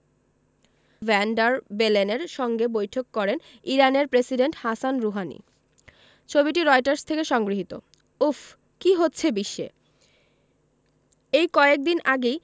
van der বেলেনের সঙ্গে বৈঠক করেন ইরানের প্রেসিডেন্ট হাসান রুহানি ছবিটি রয়টার্স থেকে সংগৃহীত উফ্ কী হচ্ছে বিশ্বে এই কয়েক দিন আগেই